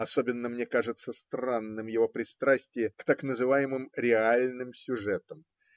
Особенно мне кажется странным его пристрастие к так называемым реальным сюжетам